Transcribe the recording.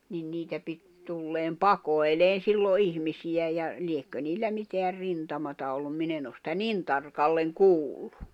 niin niitä piti tulla paikoilleen silloin ihmisiä ja liekö niillä mitään rintamaa ollut minä en ole sitä niin tarkalleen kuullut